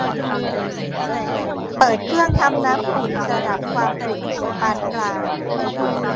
เปิดเครื่องทำน้ำอุ่นระดับความอุ่นปานกลาง